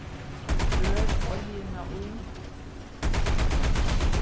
rør oljuna í